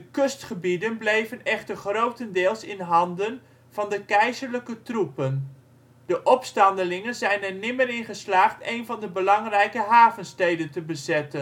kustgebieden bleven echter grotendeels in handen van de keizerlijke troepen; de opstandelingen zijn er nimmer in geslaagd één van de belangrijke havensteden te bezetten. De